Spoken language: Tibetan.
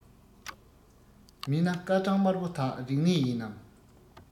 མིན ན སྐར གྲངས དམར པོ དག རིག གནས ཡིན ནམ